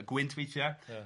...y gwynt weithiau. Ia.